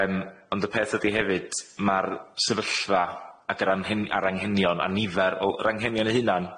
Yym ond y peth ydi hefyd ma'r sefyllfa ag yr anghen- a'r anghenion a nifer o'r anghenion eu hunan